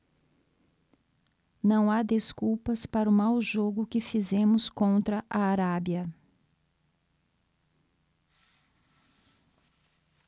não há desculpas para o mau jogo que fizemos contra a arábia